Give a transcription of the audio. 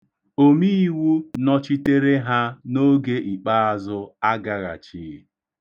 Omiiwu nọchitere ha n'oge ikpaazụ agaghachịghị.